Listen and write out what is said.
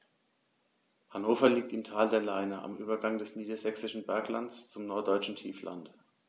Hannover liegt im Tal der Leine am Übergang des Niedersächsischen Berglands zum Norddeutschen Tiefland.